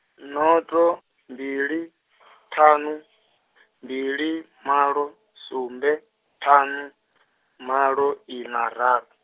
noto, mbili, ṱhanu, mbili, malo, sumbe, ṱhanu, malo, ina raru.